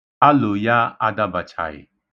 Aro ya adabachaghị.